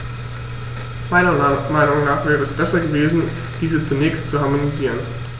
Meiner Meinung nach wäre es besser gewesen, diese zunächst zu harmonisieren.